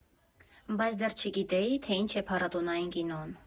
Բայց դեռ չգիտեի, թե ինչ է փառատոնային կինոն…